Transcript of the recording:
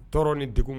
Tɔɔrɔ ni dugu